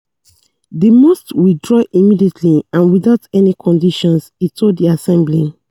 "They must withdraw immediately and without any conditions," he told the assembly.